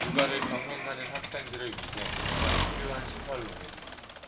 육아를 병행하는 학생들을 위해 가장 필요한 시설로는